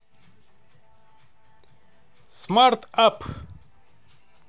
smart app